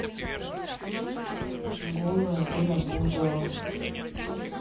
голая оля бузова